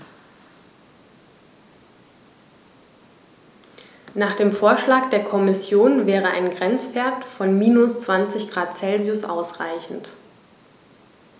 Nach dem Vorschlag der Kommission wäre ein Grenzwert von -20 ºC ausreichend.